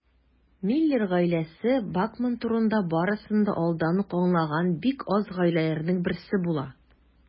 Миллер гаиләсе Бакман турында барысын да алдан ук аңлаган бик аз гаиләләрнең берсе була.